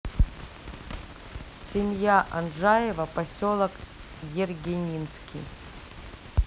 семья анджаева поселок ергенинский